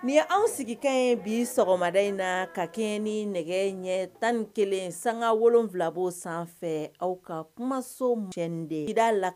Nin an sigikan in bi sɔgɔmada in na ka kɛ ni nɛgɛ ɲɛ tan ni kelen sanga wolonwulabɔ sanfɛ aw ka kumasoɛnden ddaa la